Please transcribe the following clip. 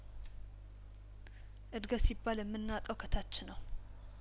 እድገት ሲባል የምናቀው ከታች ነው